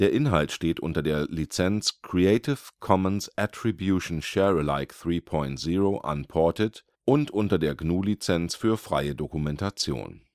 Inhalt steht unter der Lizenz Creative Commons Attribution Share Alike 3 Punkt 0 Unported und unter der GNU Lizenz für freie Dokumentation